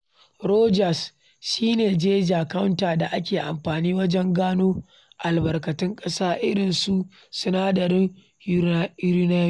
Rogers: "Shi ne Geiger Counter, da ake amfani wajen gano albarkatun ƙasa, irin su sinadaran uranium.